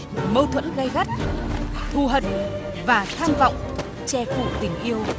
mâu thuẫn gay gắt thù hận và tham vọng che phủ tình yêu